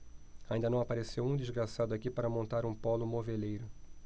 ainda não apareceu um desgraçado aqui para montar um pólo moveleiro